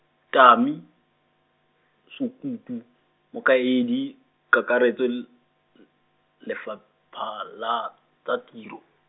Tami, Sokutu, mokaedikakaretso, L-, L-, Lefapha la, tsa Tiro.